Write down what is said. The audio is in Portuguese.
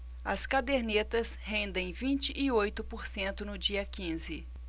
as cadernetas rendem vinte e oito por cento no dia quinze